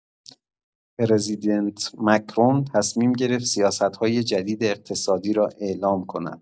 پرزیدنت مکرون تصمیم گرفت سیاست‌های جدید اقتصادی را اعلام کند.